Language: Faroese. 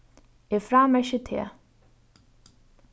eg frámerki teg